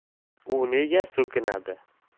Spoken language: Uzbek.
u nega so'kinadi